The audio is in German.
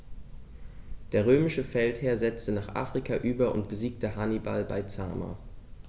Der römische Feldherr setzte nach Afrika über und besiegte Hannibal bei Zama.